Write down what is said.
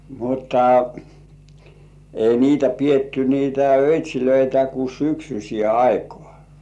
mutta ei niitä pidetty niitä öitsejä kuin syksyiseen aikaan